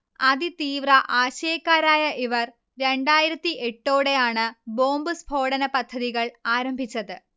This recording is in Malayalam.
അതി തീവ്ര ആശയക്കാരായ ഇവർ രണ്ടായിരത്തി എട്ടോടെയാണ് ബോംബ് സ്ഫോടനപദ്ധതികൾ ആരംഭിച്ചത്